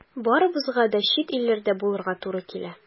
Барыбызга да чит илләрдә булырга туры килә.